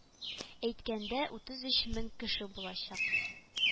Әйткәндә утыз өч мең кеше булачак